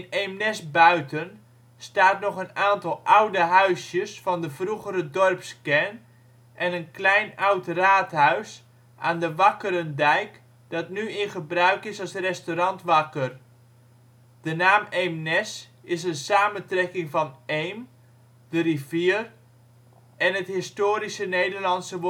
Eemnes-Buiten staat nog een aantal oude huisjes van de vroegere dorpskern, en een klein oud raadhuis aan de Wakkerendijk dat nu in gebruik is als restaurant Wakker. De naam Eemnes is een samentrekking van EEM (de rivier) en het historische Nederlandse